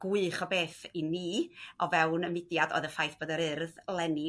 gwych o beth i ni o fewn y mudiad o'dd y ffaith fod Yr Urdd 'leni